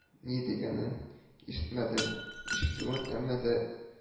Ни дигәнен ишетмәдем ишетүен, әмма дә